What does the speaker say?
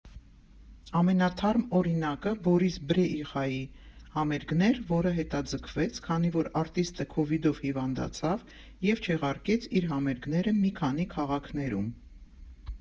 Ամենաթարմ օրինակը Բորիս Բրեիխայի համերգն էր, որը հետաձգվեց, քանի որ արտիստը քովիդով հիվանդացավ և չեղարկեց իր համերգները մի քանի քաղաքներում։